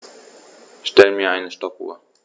Stell mir eine Stoppuhr.